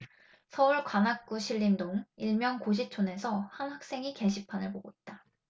서울 관악구 신림동 일명 고시촌에서 한 학생이 게시판을 보고 있다